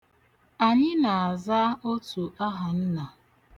Anyị na-aza otu ahanna.